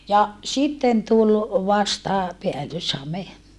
ja sitten tuli vasta päällyshame